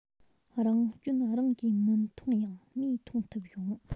རང སྐྱོན རང གིས མི མཐོང ཡང མིས མཐོང ཐུབ ཡོང